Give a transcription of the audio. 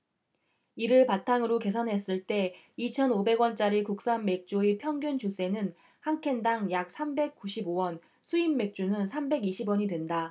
이를 바탕으로 계산했을 때 이천 오백 원짜리 국산맥주의 평균 주세는 한 캔 당 약 삼백 구십 오 원 수입맥주는 삼백 이십 원이된다